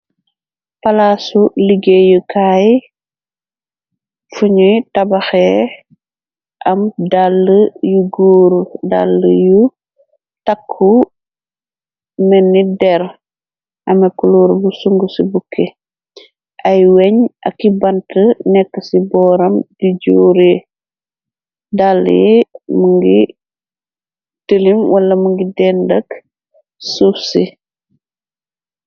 Palaasu liggéeyukaay fuñuy tabaxe am dàll yu guuru dàll yu takku meni der ame kuluor bu sunguci bukki ay weñ aki bant nekk ci booram di joure dàlli ye mu ngi telim wala mungi dendëk suuf si.